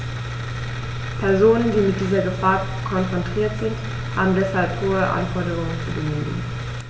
Personen, die mit dieser Gefahr konfrontiert sind, haben deshalb hohen Anforderungen zu genügen.